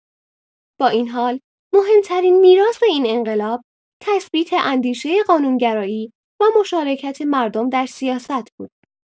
با این حال، مهم‌ترین میراث این انقلاب تثبیت اندیشه قانون‌گرایی و مشارکت مردم در سیاست بود.